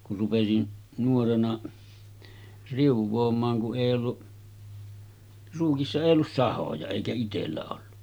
kun rupesin nuorena riuaamaan kun ei ollut ruukissa ei ollut sahoja eikä itsellä ollut